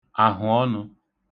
ahụ̀ọnụ̄